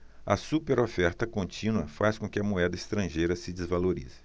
a superoferta contínua faz com que a moeda estrangeira se desvalorize